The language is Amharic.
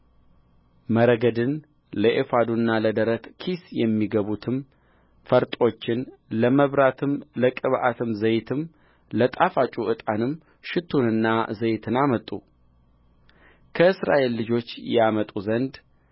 መረግድን ለኤፉድና ለደረት ኪስ የሚገቡትንም ፈርጦችን ለመብራትም ለቅብዓት ዘይትም ለጣፋጭ ዕጣንም ሽቱንና ዘይትን አመጡ ከእስራኤል ልጆችም ያመጡ ዘንድ